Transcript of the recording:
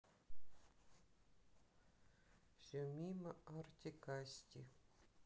все мимо артик асти